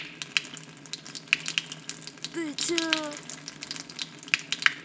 ты че